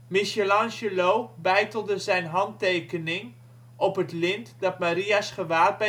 Michelangelo beitelde zijn handtekening op het lint dat Maria’ s gewaad bijeenhoudt